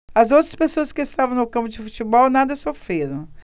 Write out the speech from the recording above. as outras pessoas que estavam no campo de futebol nada sofreram